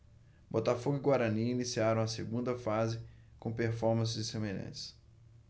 botafogo e guarani iniciaram a segunda fase com performances semelhantes